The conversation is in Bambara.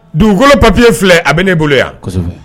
Dugukolo papier filɛ, a bɛ ne bolo yan. Kosɛbɛ!